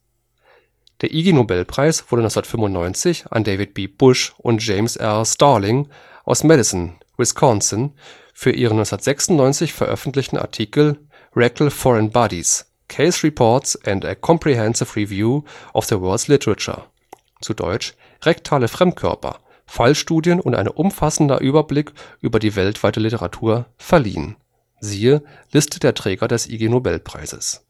Der Ig-Nobelpreis wurde 1995 an David B. Busch und James R. Starling aus Madison (Wisconsin) für ihren 1986 veröffentlichten Artikel Rectal foreign bodies: Case Reports and a Comprehensive Review of the World 's Literature (dt.: „ Rektale Fremdkörper: Fallstudien und ein umfassender Überblick über die weltweite Literatur “) verliehen (siehe Liste der Träger des Ig-Nobelpreises